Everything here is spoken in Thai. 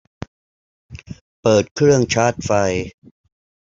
เปิดเครื่องชาร์จไฟ